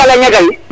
Ngalagne a deyu